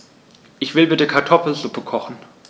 Ich will bitte Kartoffelsuppe kochen.